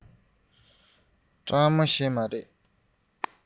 ཞེ དྲགས ཤེས ཀྱི མི འདུག